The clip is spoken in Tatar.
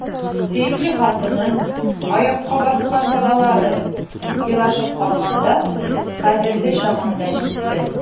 Сөекле хатыны, аякка баскан балалары елашып калганда — кадерле чагында китте!